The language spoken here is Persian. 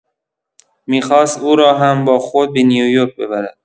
می‌خواست او را هم با خود به نیویورک ببرد.